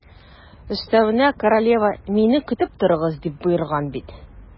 Өстәвенә, королева: «Мине көтеп торыгыз», - дип боерган бит.